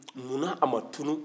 munna a ma tunun